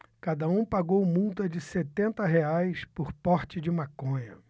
cada um pagou multa de setenta reais por porte de maconha